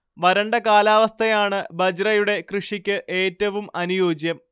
വരണ്ട കാലാവസ്ഥയാണ് ബജ്റയുടെ കൃഷിക്ക് ഏറ്റവും അനുയോജ്യം